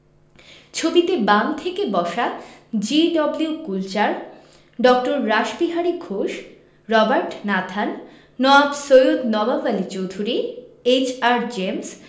ছবিতে বাম থেকে বসা জি.ডব্লিউ. কুলচার ড. Rashbehari Ghosh Robert Nathan Nawab Syed Nawab Ali Chowdhury H R. James